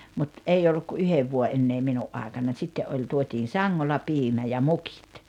mutta ei ollut kuin yhden vuoden enää minun aikanani sitten oli tuotiin sangolla piimä ja mukit